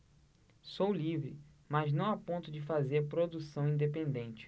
sou livre mas não a ponto de fazer produção independente